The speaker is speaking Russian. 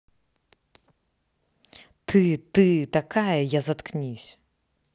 ты ты такая я заткнись